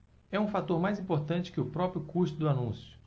é um fator mais importante que o próprio custo do anúncio